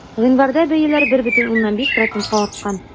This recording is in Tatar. Гыйнварда бәяләр 1,5 процентка арткан.